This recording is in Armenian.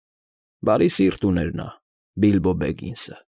Բարի սիրտ ուներ նա՝ Բիլբո Բեգինսը։